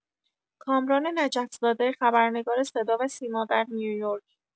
کامران نجف زاده، خبرنگار صداوسیما در نیویورک